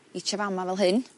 i tua fa' 'ma fel hyn